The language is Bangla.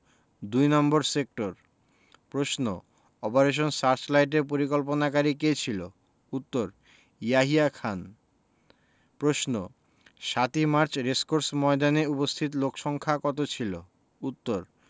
দুই নম্বর সেক্টর প্রশ্ন অপারেশন সার্চলাইটের পরিকল্পনাকারী কে ছিল উত্তর ইয়াহিয়া খান প্রশ্ন ৭ই মার্চ রেসকোর্স ময়দানে উপস্থিত লোকসংক্ষা কত ছিলো উত্তর